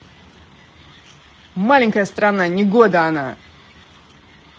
маленькая страна негода она